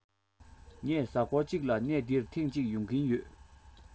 ངས གཟའ མཁོར ཅིག ལ གནས འདིར ཐེང ཅིག ཡོང གི ཡོད